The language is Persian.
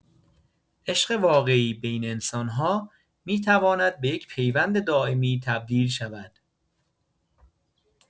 عشق واقعی بین انسان‌ها می‌تواند به یک پیوند دائمی تبدیل شود.